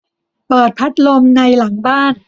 เปิดพัดลมในหลังบ้าน